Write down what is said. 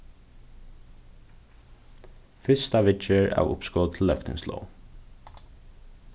fyrsta viðgerð av uppskot til løgtingslóg